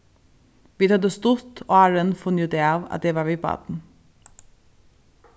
vit høvdu stutt áðrenn funnið útav at eg var við barn